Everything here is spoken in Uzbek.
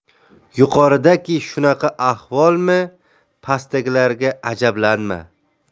yuqoridaki shunaqa ahvolmi pastdagilarga ajablanma